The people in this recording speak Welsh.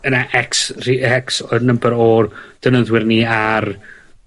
ma' 'na ecs rhi- ecs o'r number o'r defnyddwyr ni ar